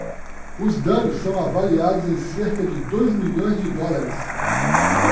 os danos são avaliados em cerca de dois milhões de dólares